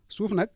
suuf nag